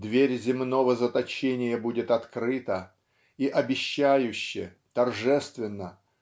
Дверь земного заточения будет открыта и обещающе торжественно